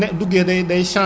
kon sax mën naa gudd fan de